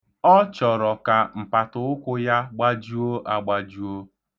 Ọ chọrọ ka mpatụụkwụ ya gbajuo agbajuo.